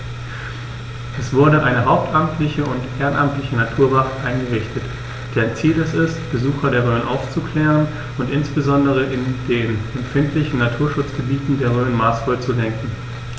Es wurde eine hauptamtliche und ehrenamtliche Naturwacht eingerichtet, deren Ziel es ist, Besucher der Rhön aufzuklären und insbesondere in den empfindlichen Naturschutzgebieten der Rhön maßvoll zu lenken.